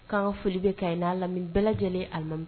K' foli bɛ ka a lammi bɛɛ lajɛlen a lammi